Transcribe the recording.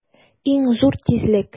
Иң зур тизлек!